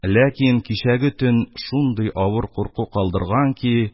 Ләкин кичәге төн шундый авыр курку калдырган ки,